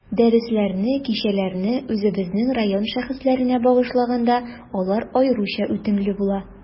Дәресләрне, кичәләрне үзебезнең район шәхесләренә багышлаганда, алар аеруча үтемле була.